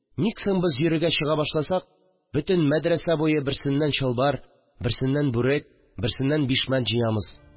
Ник соң без йөрергә чыга башласак, бөтен мәдрәсә буе берсеннән чалбар, берсеннән калош, берсеннән бүрек, берсеннән бишмәт җыямыз